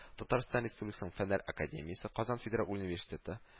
Татарстан Республикасының Фәннәр академиясе, Казан Федераль Университеты